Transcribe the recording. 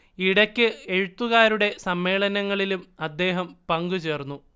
ഇടക്ക് എഴുത്തുകാരുടെ സമ്മേളനങ്ങളിലും അദ്ദേഹം പങ്കുചേർന്നു